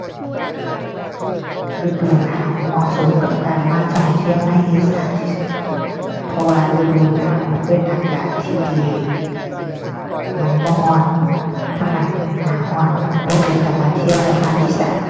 ฤดูหนาว เหมาะสมกับการมาท่องเที่ยวในอีสานที่สุด เพราะว่าฤดูหนาวเป็นอากาศที่ดี มันบ่ร้อน ถ้ามันหน้าร้อนมันร้อนบ่เป็นตามาเที่ยวในภาคอีสาน